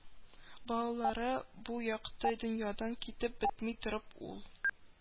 Балалары, бу якты дөньядан китеп бетми торып, ул